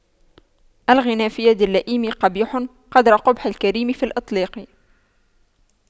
الغنى في يد اللئيم قبيح قدر قبح الكريم في الإملاق